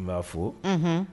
N b'a fo, unhun.